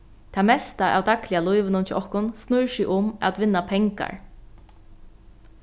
tað mesta av dagliga lívinum hjá okkum snýr seg um at vinna pengar